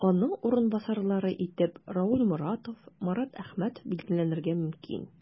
Аның урынбасарлары итеп Равил Моратов, Марат Әхмәтов билгеләнергә мөмкин.